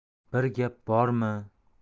bir gap bormi